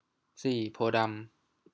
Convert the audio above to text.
สี่โพธิ์ดำ